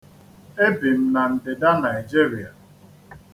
E bi m na ndịda Naịjirịa.